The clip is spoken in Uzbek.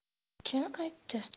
kim aytdi